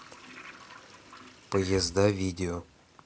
поезда видео